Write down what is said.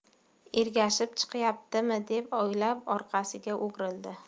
ergashib chiqyaptimi deb o'ylab orqasiga o'girildi